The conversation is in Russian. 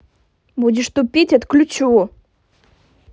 будешь тупить отключу